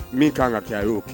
Min kan ka kɛ a y yeo